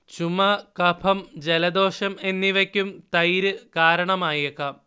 ചുമ, കഫം, ജലദോഷം എന്നിവയ്ക്കും തൈര് കാരണമായേക്കാം